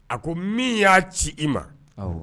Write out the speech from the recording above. A ko min y'a ci i ma